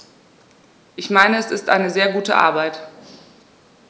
Ich meine, es ist eine sehr gute Arbeit.